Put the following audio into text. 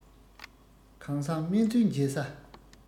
གང བཟང སྨན བཙུན མཇལ ས